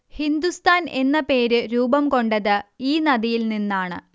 ഹിന്ദുസ്ഥാൻ എന്ന പേര് രൂപം കൊണ്ടത് ഈ നദിയിൽ നിന്നാണ്